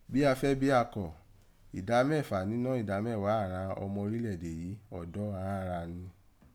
Bi a fẹ́ bi a kọ̀, idá mẹfa ninọ́ mẹwa àghan ọma orilẹ ede yìí, ọ̀dọ́ àghan gha rin.